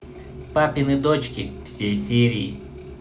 папины дочки все серии